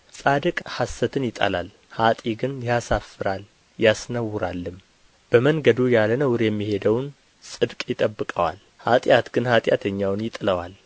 ጻድቅ ሐሰትን ይጠላል ኀጥእ ግን ያሳፍራል ያስነውራልም በመንገዱ ያለ ነውር የሚሄደውን ጽድቅ ይጠብቀዋል ኃጢአት ግን ኃጢአተኛውን ይጥለዋል